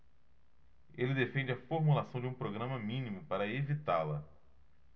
ele defende a formulação de um programa mínimo para evitá-la